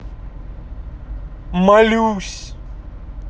молюсь